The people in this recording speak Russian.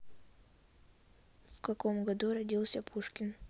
в каком году родился пушкин